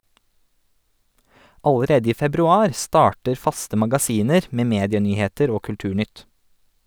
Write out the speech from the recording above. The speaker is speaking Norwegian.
Allerede i februar starter faste magasiner med medienyheter og kulturnytt.